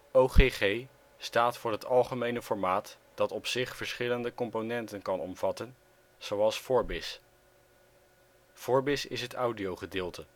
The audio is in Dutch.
Ogg ' staat voor het algemene formaat dat op zich verschillende componenten kan omvatten, zoals Vorbis. Vorbis is het audiogedeelte